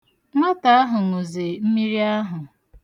Nwata ahụ ṅụzi mmiri ahụ.